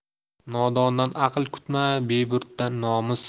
nodondan aql kutma beburddan nomus